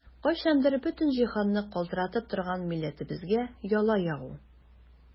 Кайчандыр бөтен җиһанны калтыратып торган милләтебезгә яла ягу!